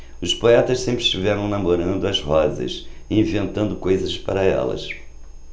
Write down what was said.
os poetas sempre estiveram namorando as rosas e inventando coisas para elas